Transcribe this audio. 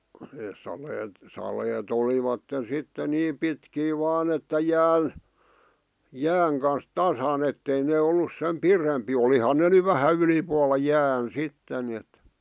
ne saleet saleet olivat sitten niin pitkiä vain että jään jään kanssa tasan että ei ne ollut sen pidempiä olihan ne nyt vähän ylipuolella jään sitten niin että